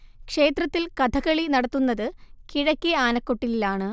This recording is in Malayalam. ക്ഷേത്രത്തിൽ കഥകളി നടത്തുന്നത് കിഴക്കേ ആനക്കൊട്ടിലിലാണ്